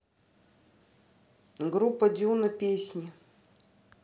группа дюна песни